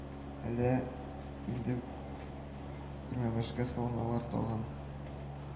Әллә инде күрмәмешкә салыналар тагын